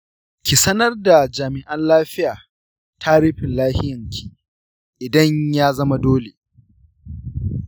ki sanar da jami'an tafiya tarihin lafiyanki idan ya zama dole.